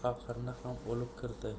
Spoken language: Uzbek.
paqirni ham olib kirdi